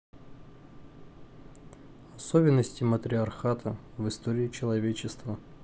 особенности матриархата в истории человечества